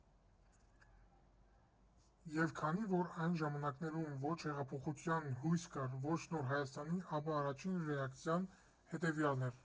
Եվ քանի որ այն ժամանակներում ոչ հեղափոխության հույս կար, ոչ Նոր Հայաստանի, ապա առաջին ռեակցիան հետևյալն էր.